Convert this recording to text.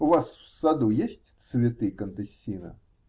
У вас в саду есть цветы, контессина?